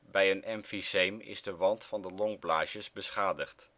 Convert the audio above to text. Bij een emfyseem is de wand van de longblaasjes beschadigd